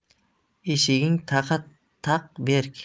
eshiging taqa taq berk